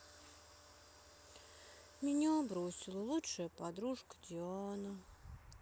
меня бросила лучшая подружка диана